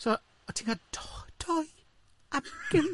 So, o' ti'n gael dou! Dou, am geiniog!